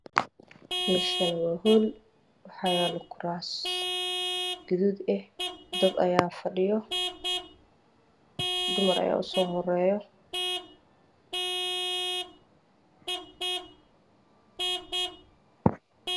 Meeshaana waa howl waxaa yaala kuraas gaduud eh dad ayaa fadhiyo dumar ayaa usoo horeeyo.